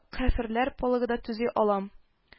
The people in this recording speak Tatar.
Кяферләр полыгы да төзи алам